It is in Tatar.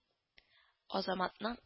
Азаматның